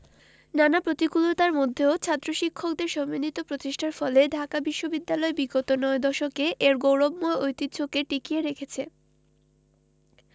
নানা প্রতিকূলতার মধ্যেও ছাত্র শিক্ষকদের সম্মিলিত প্রচেষ্টার ফলে ঢাকা বিশ্ববিদ্যালয় বিগত নয় দশকে এর গৌরবময় ঐতিহ্যকে টিকিয়ে রেখেছে